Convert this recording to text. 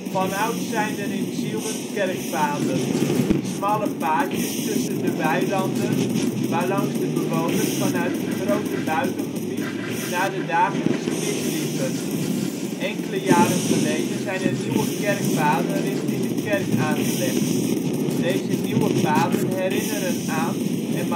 Vanouds zijn er in Zieuwent kerkpaden, smalle paadjes tussen de weilanden waarlangs de inwoners vanuit het grote buitengebied naar de dagelijkse mis liepen. Enkele jaren geleden zijn er nieuwe " kerkpaden " richting de kerk aangelegd. Deze nieuwe paden herinneren aan - en